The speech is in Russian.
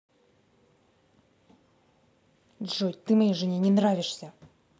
джой ты моей жене не нравишься